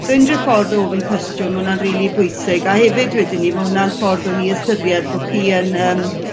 so unryw ffordd o ofyn cwestiwn ma' wnna'n rili bwysig a hefyd wedyn 'ny ma' hwnna'n ffordd o ni ystyried bo' chi yn yym